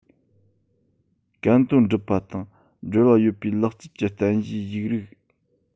གན དོན སྒྲུབ པ དང འབྲེལ བ ཡོད པའི ལག རྩལ གྱི རྟེན གཞིའི ཡིག རིགས